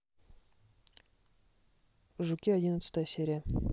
жуки одиннадцатая серия